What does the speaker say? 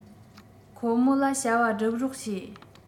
ཁོ མོ ལ བྱ བ བསྒྲུབས རོགས བྱེད